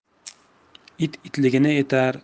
it itligini etar